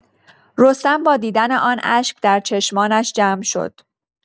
رستم با دیدن آن اشک در چشمانش جمع شد.